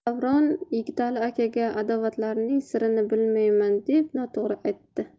davron yigitali akaga adovatlarining sirini bilmayman deb noto'g'ri aytdi